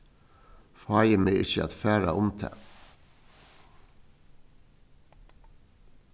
fái meg ikki at fara um tað